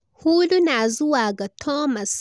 Huluna zuwa ga Thomas.